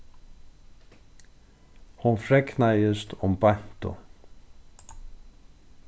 hon fregnaðist um beintu